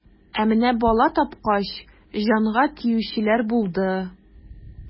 Ә менә бала тапкач, җанга тиючеләр булды.